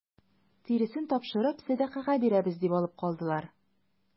Тиресен тапшырып сәдакага бирәбез дип алып калдылар.